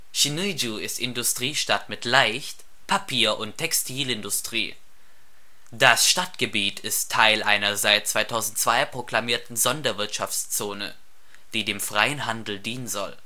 Sinŭiju ist Industriestadt mit Leicht -, Papier - und Textilindustrie. Das Stadtgebiet ist Teil einer seit 2002 proklamierten Sonderwirtschaftszone (siehe Besondere Verwaltungsregion Sinŭiju), die dem freien Handel dienen soll